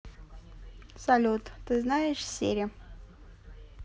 салют ты знаешь сири